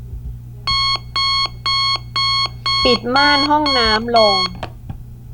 ปิดม่านห้องน้ำลง